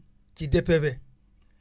ci DPV